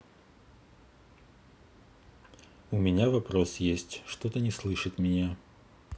у меня вопрос есть что то не слышит меня